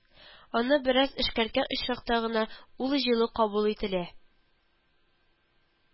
Аны бераз эшкәрткән очракта гына ул җылы кабул ителә